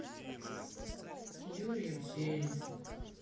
юрьев день